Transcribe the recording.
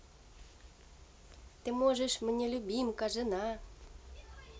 ты можешь мне любимка жена